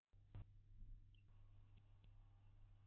ཙི ཙི ཕོའི སྐད ཆ མཇུག མ རྫོགས གོང ལ